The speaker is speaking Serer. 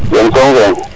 jam soom kay